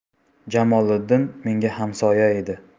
jamoliddin menga hamsoya edi